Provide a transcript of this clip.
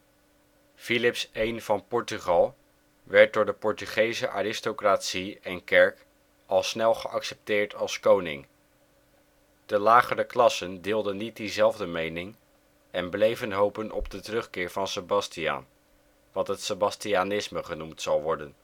Filips I van Portugal werd door de Portugese aristocratie en Kerk al snel geaccepteerd als koning. De lagere klassen deelden niet diezelfde mening en bleven hopen op de terugkeer van Sebastiaan; wat het sebastianisme genoemd zal worden